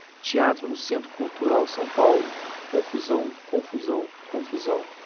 teatro no centro cultural são paulo confusão confusão confusão